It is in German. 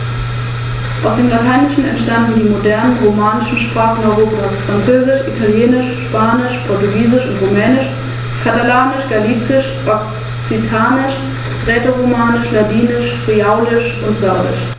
Der Schwanz wird aus 12 Steuerfedern gebildet, die 34 bis 42 cm lang sind.